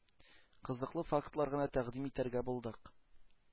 Кызыклы фактлар гына тәкъдим итәргә булдык.